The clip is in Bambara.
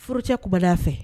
Furucɛ kumalen a fɛ